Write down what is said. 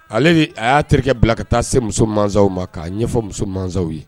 Ale de ye, a y'a terikɛ bila ka taa se muso mansaw ma k'a ɲɛfɔ muso mansaw ye